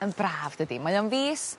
yn braf dydi mae o'n fis